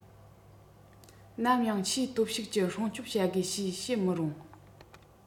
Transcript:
ནམ ཡང ཕྱིའི སྟོབས ཤུགས ཀྱིས སྲུང སྐྱོང བྱ དགོས ཞེས བཤད མི རུང